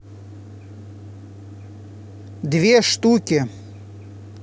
две штуки